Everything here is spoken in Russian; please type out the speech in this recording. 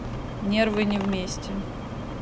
нервы не вместе